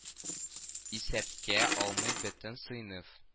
Исәпкә алмый бөтен сыйныф